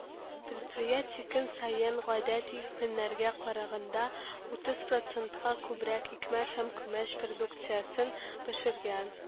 Предприятие көн саен, гадәти көннәргә караганда, утыз процентка күбрәк икмәк һәм күмәч продукциясен пешергән.